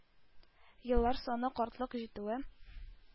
Еллар саны, картлык җитүе.